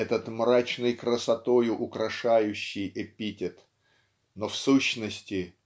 этот мрачной красотою украшающий эпитет. Но в сущности